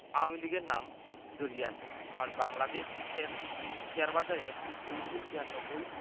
আওয়ামী লীগের নাম জড়িয়ে আছে কারণ বাংলাদেশের শেয়ারবাজারে ১৯৯৬